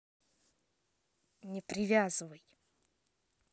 не привязывай